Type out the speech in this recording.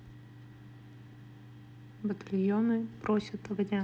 батальоны просят огня